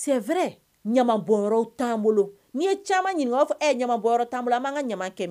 Sɛfɛrɛ ɲama bɔ t taaboloan bolo n'i ye caman ɲini'a fɔ e ɲamamabɔ'an bolo an maa ka ɲama kɛmɛ